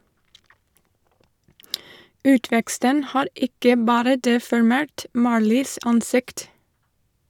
Utveksten har ikke bare deformert Marlies ansikt.